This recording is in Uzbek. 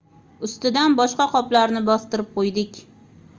ustidan boshqa qoplarni bostirib qo'ydik